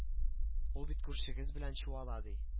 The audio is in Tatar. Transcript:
Ул бит күршегез белән чуала ди